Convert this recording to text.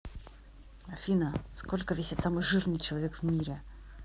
афина сколько весит самый жирный человек в мире